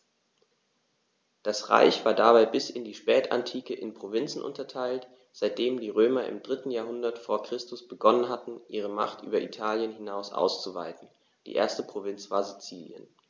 Das Reich war dabei bis in die Spätantike in Provinzen unterteilt, seitdem die Römer im 3. Jahrhundert vor Christus begonnen hatten, ihre Macht über Italien hinaus auszuweiten (die erste Provinz war Sizilien).